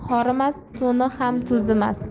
horimas to'ni ham to'zimas